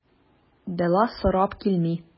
Бәла сорап килми.